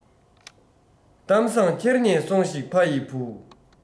གཏམ བཟང ཁྱེར ནས སོང ཞིག ཕ ཡི བུ